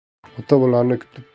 ota bolani kutib kunim